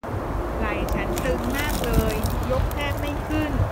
ไหล่ฉันตึงมากเลยยกแทบไม่ขึ้น